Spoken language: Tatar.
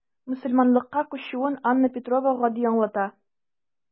Мөселманлыкка күчүен Анна Петрова гади аңлата.